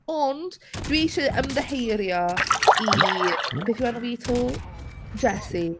Ond... Dwi isie ymddiheurio i... o, o... beth yw enw hi 'to? Jessie.